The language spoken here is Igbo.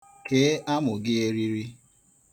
Kee amụ gị eriri.